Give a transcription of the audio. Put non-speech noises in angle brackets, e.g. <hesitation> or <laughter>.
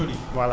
<hesitation> <hesitation>